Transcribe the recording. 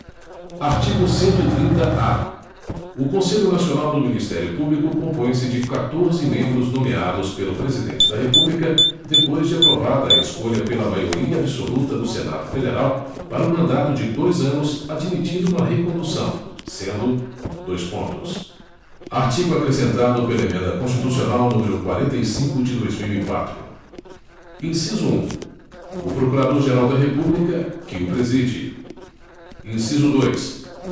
artigo cento e trinta a o conselho nacional do ministério público compõe se de quatorze membros nomeados pelo presidente da república depois de aprovada a escolha pela maioria absoluta do senado federal para um mandato de dois anos admitida uma recondução sendo dois pontos artigo acrescentado pela emenda constitucional número quarenta e cinco de dois mil e quatro inciso um o procurador geral da república que o preside inciso dois